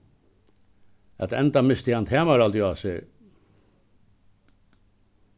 at enda misti hann tamarhaldið á sær